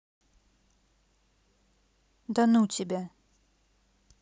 да ну у тебя